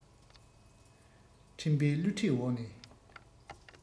འཕྲིན པས བསླུ བྲིད འོག ནས